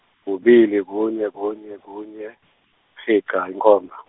kubili kunye kunye kunye, mfica, inkhomba.